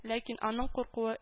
Ләкин аның куркуы